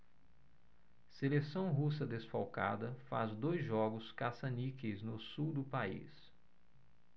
seleção russa desfalcada faz dois jogos caça-níqueis no sul do país